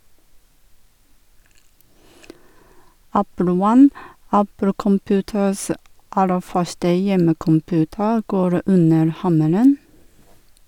Apple 1, Apple Computers' aller første hjemmecomputer, går under hammeren.